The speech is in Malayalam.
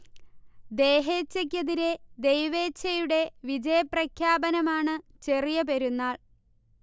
ദേഹേഛക്കെതിരെ ദൈവേഛയുടെ വിജയ പ്രഖ്യാപനമാണ് ചെറിയ പെരുന്നാൾ